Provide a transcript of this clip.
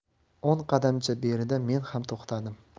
o'n qadamcha berida men ham to'xtadim